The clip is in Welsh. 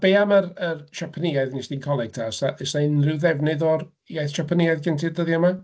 A be am yr yr Japaneaidd wnest ti'n coleg ta? Oes na oes 'na unrhyw ddefnydd o'r iaith Japaneaidd gen ti'r dyddiau 'ma?